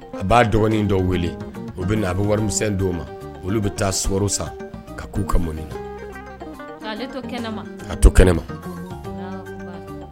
A b'a dɔgɔnin dɔw wele o bɛ na a bɛ wari di' ma olu bɛ taa swaro sa ka k'u ka mɔnɔni na to kɛnɛ ka to kɛnɛ ma